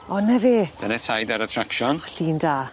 O 'na fe? Dyne taid ar y tracsiwn. Llun da.